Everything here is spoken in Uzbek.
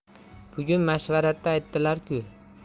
bugun mashvaratda aytdilar ku